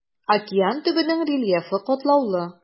Океан төбенең рельефы катлаулы.